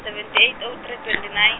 seventy eight oh three seventy nine.